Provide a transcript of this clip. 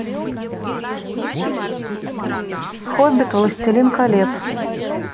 хоббит властелин колец